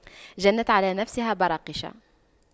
جنت على نفسها براقش